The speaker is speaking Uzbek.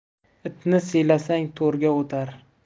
itni siylasang to'rga o'tar